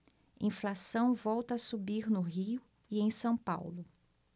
inflação volta a subir no rio e em são paulo